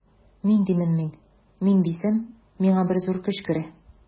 Мин димен мин, мин дисәм, миңа бер зур көч керә.